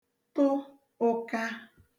tụ ụ̀ka